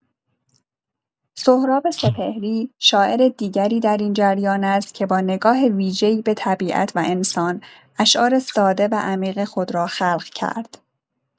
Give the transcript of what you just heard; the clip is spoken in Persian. سهراب سپهری، شاعر دیگری در این جریان است که با نگاه ویژه‌ای به طبیعت و انسان، اشعار ساده و عمیق خود را خلق کرد.